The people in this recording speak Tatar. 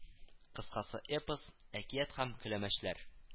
Кыскасы, эпос, әкият һәм көләмәчләр